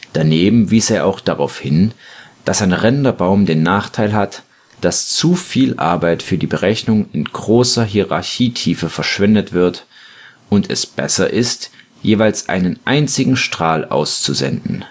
Daneben wies er auch darauf hin, dass ein Renderbaum den Nachteil hat, dass zu viel Arbeit für die Berechnungen in großer Hierarchietiefe verschwendet wird und es besser ist, jeweils einen einzigen Strahl auszusenden